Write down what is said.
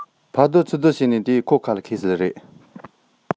ཕར སྡུར ཚུར སྡུར བྱས ནས ཁོང གི ཐོག ཏུ འཁེལ བ རེད